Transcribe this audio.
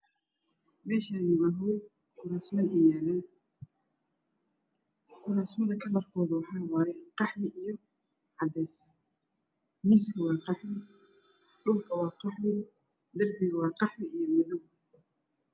Meshan waa hool kurasman eey yalan kurasta kalrkod waa qahwi io cadees miska waa qahwi dhulka waa qahwi dirbigan waa qahwi io madow